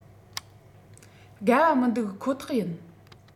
དགའ བ མི འདུག ཁོ ཐག ཡིན